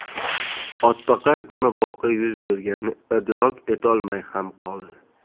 otboqar nima voqea yuz berganini idrok etolmay ham qoldi